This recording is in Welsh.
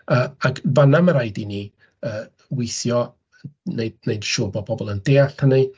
Yy, ac fan'na mae'n rhaid i ni yy weithio, wneud siŵr bod pobl yn deall hynny.